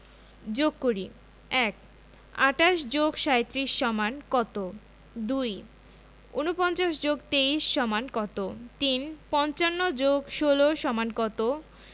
যোগ করিঃ ১ ২৮ + ৩৭ = কত ২ ৪৯ + ২৩ = কত ৩ ৫৫ + ১৬ = কত